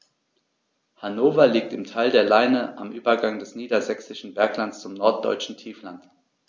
Hannover liegt im Tal der Leine am Übergang des Niedersächsischen Berglands zum Norddeutschen Tiefland.